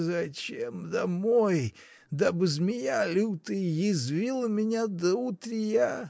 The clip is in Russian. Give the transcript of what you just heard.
Зачем домой, дабы змея лютая язвила меня до утрия?